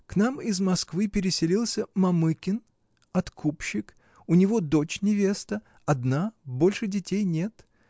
К нам из Москвы переселился Мамыкин, откупщик: у него дочь невеста, одна, больше детей нет.